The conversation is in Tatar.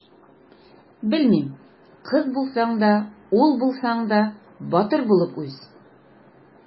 Белмим: кыз булсаң да, ул булсаң да, батыр булып үс!